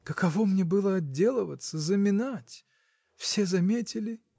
Каково мне было отделываться, заминать! Все заметили.